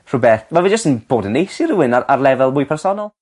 rhwbeth ma' fe jyst yn bod yn neis i rhywun ar ar lefel mwy personol.